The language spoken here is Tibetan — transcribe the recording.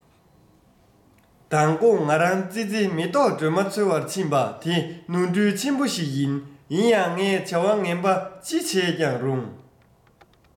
མདང དགོང ང རང ཙི ཙི མེ ཏོག སྒྲོན མ འཚོལ བར ཕྱིན པ དེ ནོར འཁྲུལ ཆེན པོ ཞིག ཡིན ཡིན ཡང ངས བྱ བ ངན པ ཅི བྱས ཀྱང རུང